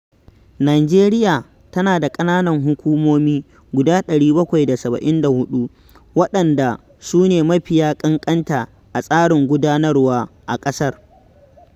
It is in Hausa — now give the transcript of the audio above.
Nijeriya tana da ƙananan hukumomi 774, waɗanda su ne mafiya ƙanƙanta a tsarin gudanarwa a ƙasar.